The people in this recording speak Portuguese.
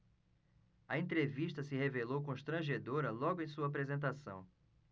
a entrevista se revelou constrangedora logo em sua apresentação